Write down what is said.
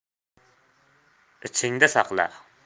ichingda saqla